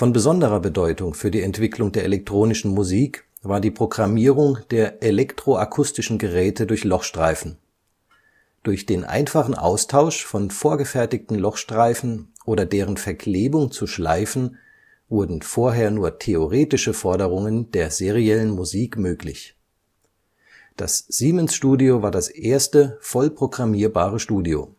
besonderer Bedeutung für die Entwicklung der elektronischen Musik war die Programmierung der elektro-akustischen Geräte durch Lochstreifen. Durch den einfachen Austausch von vorgefertigten Lochstreifen oder deren Verklebung zu Schleifen wurden vorher nur theoretische Forderungen der seriellen Musik möglich. Das Siemens-Studio war das erste vollprogrammierbare Studio